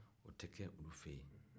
o tɛ kɛ olu fɛ yen